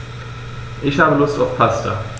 Ich habe Lust auf Pasta.